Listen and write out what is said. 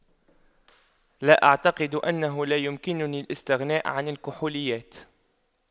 لا أعتقد أنه لا يمكنني الاستغناء عن الكحوليات